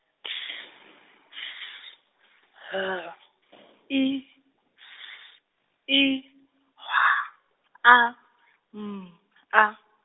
T , S, H, I, S, I, W, A , M, A.